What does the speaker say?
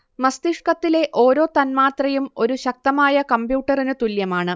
മസ്തിഷ്കത്തിലെ ഓരോ തന്മാത്രയും ഒരു ശക്തമായ കമ്പ്യൂട്ടറിനു തുല്യമാണ്